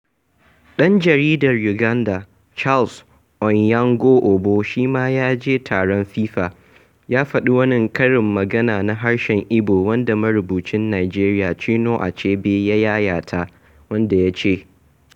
ɗan jaridan Uganda, Charles Onyango-Obbo shi ma ya je taron FIFA, ya faɗi wani karin magana na harshen Ibo wanda marubucin Najeriya Chinua Achebe ya yayata, wanda ya ce: